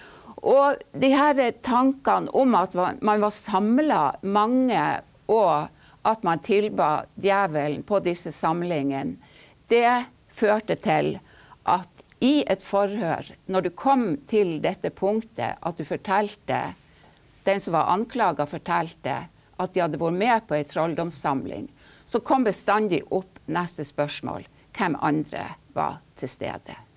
og de herre tankene om at man var samla mange og at man tilbad djevelen på disse samlingene, det førte til at i et forhør når det kom til dette punktet at du fortalte den som ble anklaga forklarte at de hadde vært med på en trolldomssamling, så kom bestandig opp neste spørsmål hvem andre var tilstede?